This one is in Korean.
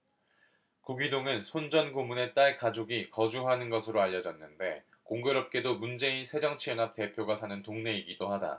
구기동은 손 전 고문의 딸 가족이 거주하는 것으로 알려졌는데 공교롭게도 문재인 새정치연합 대표가 사는 동네이기도 하다